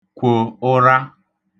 kwò ụra